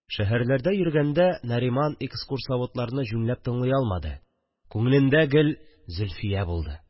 Шәһәрләрдә йөргәндә Нариман экскурсоводларны җүнләп тыңлый алмады – күңелендә гел Зөлфия булды